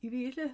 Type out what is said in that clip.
I fi 'lly?